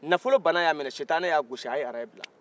nafolo bana y'a minɛ sitanɛ y'a gosi a ye araye bila